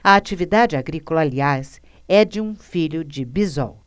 a atividade agrícola aliás é de um filho de bisol